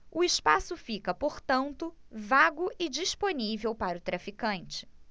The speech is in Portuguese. o espaço fica portanto vago e disponível para o traficante